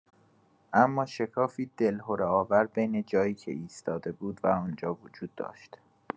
اما شکافی دلهره‌آور بین جایی که ایستاده بود و آنجا وجود داشت.